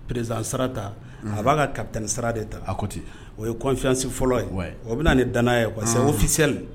President sara ta a b'a ka capitaine sara de ta, a ko ten, o ye confiance wayi, o bɛ na ni dananaya ye, uunn c'est officiel .